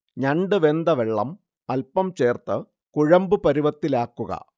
ഞണ്ട് വെന്ത വെള്ളം അൽപം ചേർത്ത് കുഴമ്പ് പരുവത്തിലാക്കുക